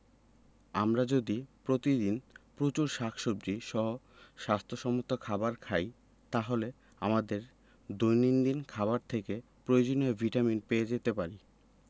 আমরা যদি প্রতিদিন প্রচুর শাকসবজী সহ স্বাস্থ্য সম্মত খাবার খাই তাহলে আমাদের দৈনন্দিন খাবার থেকেই প্রয়োজনীয় ভিটামিন পেয়ে যেতে পারি